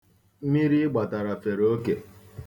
Mmiri ị gbatara fere oke.